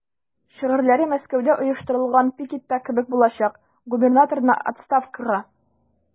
Шигарьләре Мәскәүдә оештырылган пикетта кебек булачак: "Губернаторны– отставкага!"